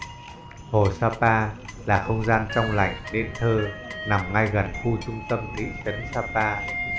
hồ sapa là không gian trong lành nên thơ nằm ngay gần khu trung tâm thị trấn sa pa